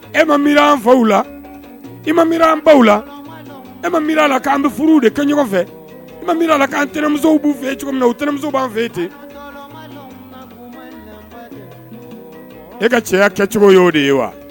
E ma mi an faw la e ma mi an baww la e ma mi la'an bɛ furu de kɛ ɲɔgɔn fɛ e la'an terimusow' fɛ cogo o terimuso b'an fɛ ten e ka cɛya kɛcogo ye o de ye wa